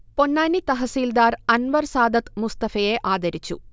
പൊന്നാനി തഹസിൽദാർ അൻവർ സാദത്ത് മുസ്തഫയെ ആദരിച്ചു